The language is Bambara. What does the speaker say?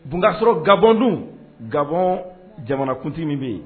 Bkasɔrɔ gabɔn dun gabɔn jamanakuntigi min bɛ yen